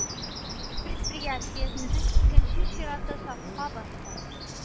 Предприятиесенең икенче чираты сафка басты